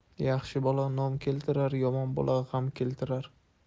yaxshi bola nom keltirar yomon bola g'am keltirar